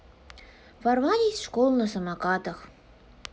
ворвались в школу на самокатах